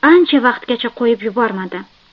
ancha vaqtgacha qo'yib yubormadi